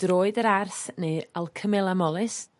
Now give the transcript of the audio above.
droed yr arth neu alchemilla mollis